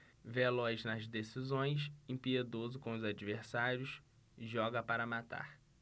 veloz nas decisões impiedoso com os adversários joga para matar